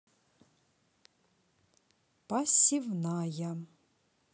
посевная